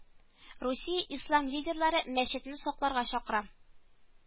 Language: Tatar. Русия Ислам лидерлары мәчетне сакларга чакыра